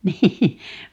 niin